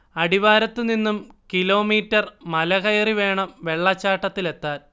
അടിവാരത്ത് നിന്നും കിലോമീറ്റർ മലകയറി വേണം വെള്ളച്ചാട്ടത്തിലെത്താൻ